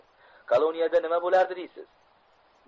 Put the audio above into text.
koloniyada nima bo'lardi deysiz